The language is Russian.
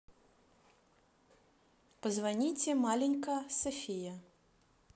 позвоните маленька софия